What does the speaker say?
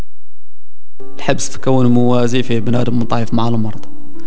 تحب ستكون الموازي في بلاد مطير مع المرض